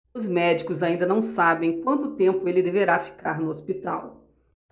os médicos ainda não sabem quanto tempo ele deverá ficar no hospital